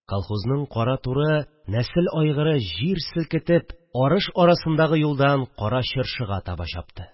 Колхозның кара туры нәсел айгыры җир селкетеп арыш арасындагы юлдан Кара Чыршыга таба чапты